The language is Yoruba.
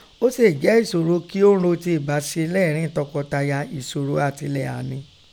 Ọ́ sèè jẹ́ ìṣòro kí ó ń ro ti ìbáse lẹ́ẹ̀ẹ́rín tọkọtaya – èsòro àtilẹ̀há nẹ.